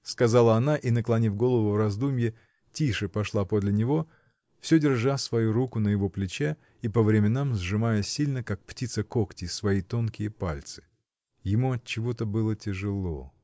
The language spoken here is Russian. — сказала она и, наклонив голову, в раздумье, тише пошла подле него, всё держа свою руку на его плече и по временам сжимая сильно, как птица когти, свои тонкие пальцы. Ему отчего-то было тяжело.